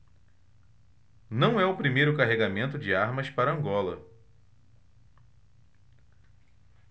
não é o primeiro carregamento de armas para angola